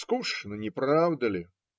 Скучно, не правда ли?